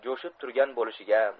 jo'shib turgan bo'lishiga